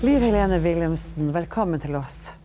Liv Helene Willumsen, velkommen til oss.